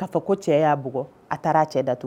K'a fɔ ko cɛ y'a bugɔ, a taara a cɛ datugu.